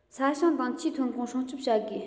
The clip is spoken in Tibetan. ས ཞིང དང ཆུའི ཐོན ཁུངས སྲུང སྐྱོང བྱ དགོས